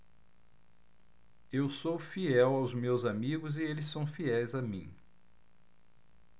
eu sou fiel aos meus amigos e eles são fiéis a mim